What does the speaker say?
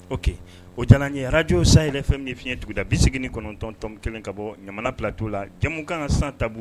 Oke o ye arajo san yɛrɛ fɛn min fiɲɛɲɛ duguda bin sigi kɔnɔntɔntɔn kelen ka bɔ ɲa pa' la jamumu ka kan san ta